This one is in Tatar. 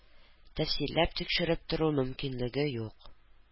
Тәфсилләп тикшереп тору мөмкинлеге юк